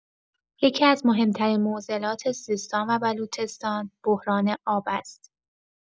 یکی‌از مهم‌ترین معضلات سیستان و بلوچستان، بحران آب است.